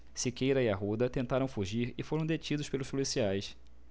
siqueira e arruda tentaram fugir e foram detidos pelos policiais